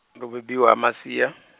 ndo bebiwa ha Masia.